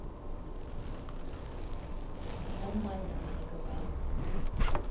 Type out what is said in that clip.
нормально надо говорить